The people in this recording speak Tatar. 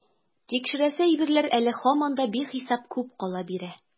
Тикшерәсе әйберләр әле һаман да бихисап күп кала бирә.